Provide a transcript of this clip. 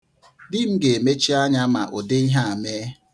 Di m ga-emechi anya ma ụdị ihe a mee.